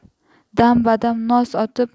dam badam nos otib